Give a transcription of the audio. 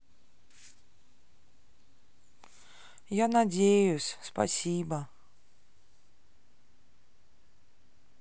я надеюсь спасибо